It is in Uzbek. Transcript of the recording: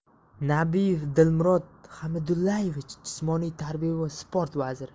nabiyev dilmurod hamidullayevich jismoniy tarbiya va sport vaziri